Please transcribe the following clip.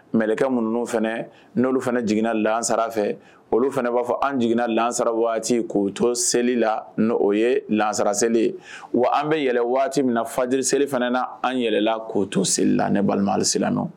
Mɛlɛkɛ minnu n'u fana n'olu fana jiginna lansara fɛ, olu fana b'a fɔ an jiginna lansara waati k'o to seli la, ni o ye lansara seli ye, wa an bɛ yɛlɛ waati min na fajiri seli fana na, an yɛlɛla k'o to seli la ne balima alisilamɛw.